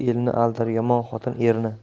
aldar yomon xotin erni